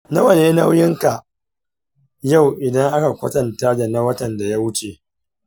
nawa ne nauyin ka yau idan aka kwatanta dana watan da ya wuce?